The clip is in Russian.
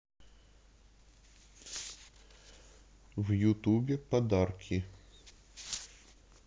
в ютубе подарки